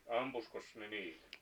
ampuikos ne niitä